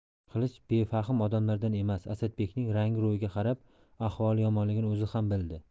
qilich befahm odamlardan emas asadbekning rangi ro'yiga qarab ahvoli yomonligini o'zi ham bildi